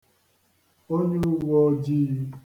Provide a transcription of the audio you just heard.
onyeūwōōjiī